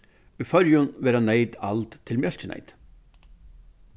í føroyum verða neyt ald til mjólkineyt